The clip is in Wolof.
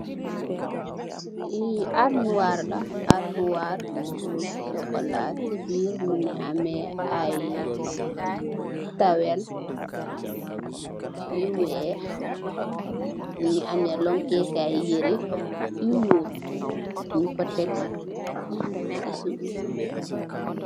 Li almuwar la, almuwar bu sokola ci biir mugii ameh ay tawell yu wèèx, mugii ameh lonkee kay yirèh bu ñuul ñing ko tèk ci suuf.